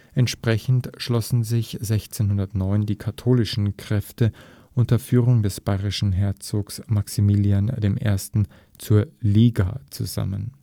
Entsprechend schlossen sich 1609 die katholischen Kräfte unter Führung des bayerischen Herzogs Maximilian I. zur Liga zusammen